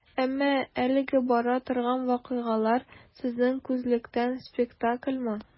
Әмма әлегә бара торган вакыйгалар, сезнең күзлектән, спектакльмы?